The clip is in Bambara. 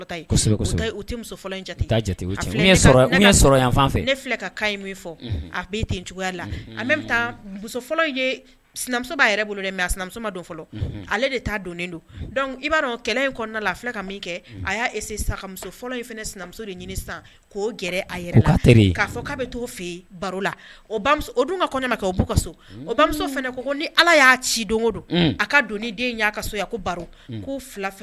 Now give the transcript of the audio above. Muso sinamuso ale de don i'a kɛlɛ in ka kɛ a y' sa ka sinamuso ɲini sisan k' k' bɛ ka kɛ ka somuso ko ni ala y'a ci don a ka don den y'a ye